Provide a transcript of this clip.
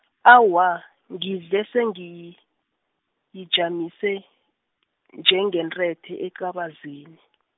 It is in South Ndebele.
awa, ngidle sengiyijamise, njengentethe, ecabazini.